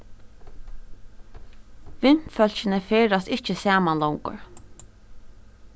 vinfólkini ferðast ikki saman longur